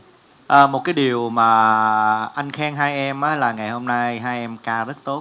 ờ một cái điều mà anh khen hai em á là ngày hôm nay hai em ca rất tốt